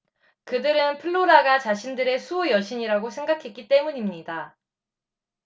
그들은 플로라가 자신들의 수호 여신이라고 생각했기 때문입니다